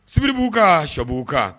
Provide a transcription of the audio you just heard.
Sibiri b'u ka shbugu u kan